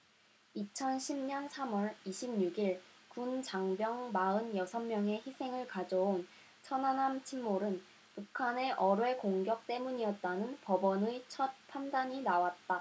이천 십 년 삼 월 이십 육 일 군 장병 마흔 여섯 명의 희생을 가져온 천안함 침몰은 북한의 어뢰 공격 때문이었다는 법원의 첫 판단이 나왔다